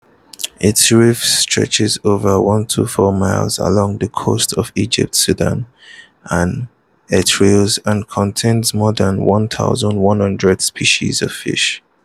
Its Reef stretches over 1,240 miles along the coast of Egypt, Sudan, and Eritrea and contains more than 1,100 species of fish.